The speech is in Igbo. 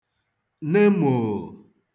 ne mòò